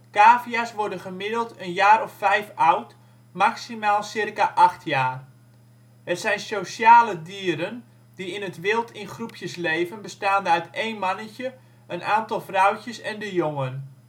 Cavia 's worden gemiddeld een jaar of 5 oud, maximaal circa 8 jaar. Het zijn sociale dieren, die in het wild in groepjes leven bestaande uit één mannetje, een aantal vrouwtjes en de jongen